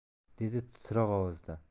dedi titroq ovozda